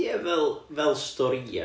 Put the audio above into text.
ia fel fel storïa